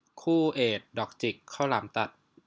คู่เอดดอกจิกข้าวหลามตัด